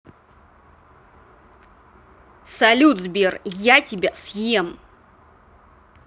салют сбер я тебя съем